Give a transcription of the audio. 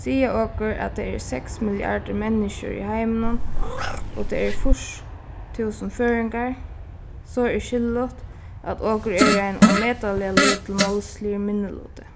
siga okur at tað eru seks milliardir menniskjur í heiminum og tað eru fýrs túsund føroyingar so er skilligt at okur eru ein ómetaliga lítil málsligur minniluti